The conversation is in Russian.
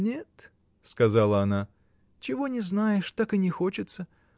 — Нет, — сказала она, — чего не знаешь, так и не хочется.